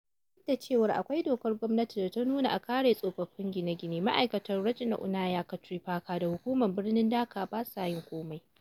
Duk da cewa akwai dokar gwamnati da ta nuna a kare tsofaffin gine-gine, ma'aikatan Rajdhani Uunnayan Kartripakkha da Hukumar Birnin Dhaka ba sa yin komai.